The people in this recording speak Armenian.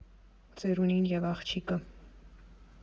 Ծերունին և աղջիկը։